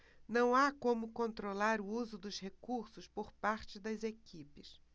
não há como controlar o uso dos recursos por parte das equipes